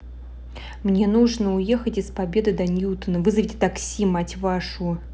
мне нужно уехать из победы до ньютона вызовите такси мать вашу